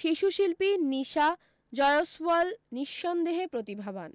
শিশুশিল্পী নিশা জয়সওয়াল নিসন্দেহে প্রতিভাবান